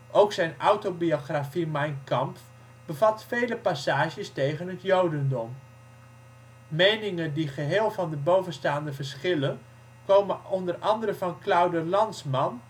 Ook zijn autobiografie, Mein Kampf, bevat vele passages tegen het Jodendom. Meningen die geheel van de bovenstaande verschillen komen onder andere van Claude Lanzmann